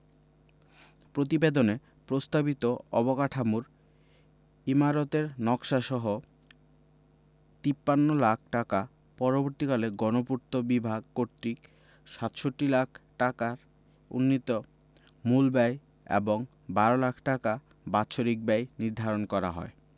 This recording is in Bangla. প্রতিবেদনে প্রস্তাবিত অবকাঠামোর ইমারতের নকশাসহ ৫৩ লাখ টাকা পরবর্তীকালে গণপূর্ত বিভাগ কর্তৃক ৬৭ লাখ ঢাকায় উন্নীত মূল ব্যয় এবং ১২ লাখ টাকা বাৎসরিক ব্যয় নির্ধারণ করা হয়